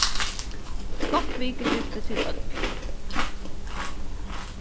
gott vikuskifti til øll